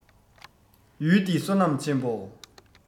ཡུལ འདི བསོད ནམས ཆེན མོ